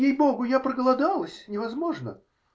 -- Ей-богу, я проголодалась, невозможно.